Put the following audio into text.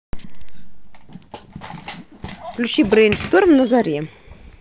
включи брейн шторм на заре